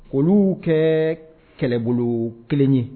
K'olu kɛ kɛlɛbolo 1 ye